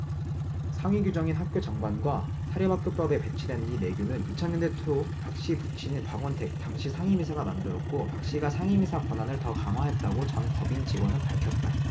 상위 규정인 학교 정관과 사립학교법에 배치되는 이 내규는 이천 년대 초 박씨 부친인 박원택 당시 상임이사가 만들었고 박씨가 상임이사 권한을 더 강화했다고 전 법인 직원은 밝혔다